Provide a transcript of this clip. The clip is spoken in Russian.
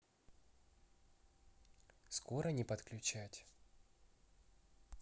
скоро не подключать